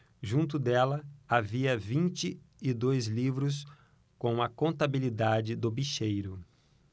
junto dela havia vinte e dois livros com a contabilidade do bicheiro